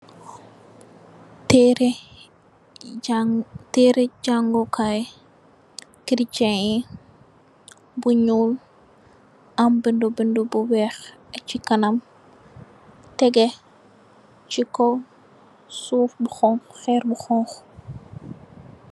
Teereh jàng, teereh jangukaay kirechenn yi bu ñuul. Am bind-bind bi weeh. Chi kanam tégé chi kaw suuf bu honku, hèr bu honku.